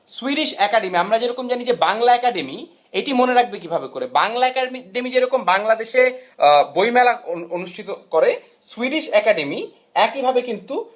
Swedish academy আমরা যেরকম জানি যে বাংলা একাডেমি এটি মনে রাখবে কিভাবে করে বাংলা একাডেমী যেরকম বাংলাদেশে বইমেলা অনুষ্ঠিত করে সুইডিশ একাডেমি একইভাবে কিন্তু